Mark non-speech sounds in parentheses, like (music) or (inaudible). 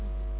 (hesitation) (hesitation)